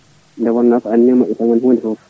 nde wonno ko anniya neɗɗo o tan woni hen foof